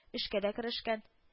Эшкә дә керешкән